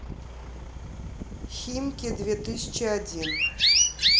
химки две тысячи один